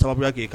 sababui